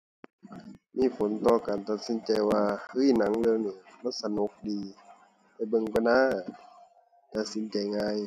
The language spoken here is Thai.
มีผลต่อการตัดสินใจว่า เฮ้ย หนังเรื่องนี้มันสนุกดี ไปเบิ่งก่อนนะ ตัดสินใจง่าย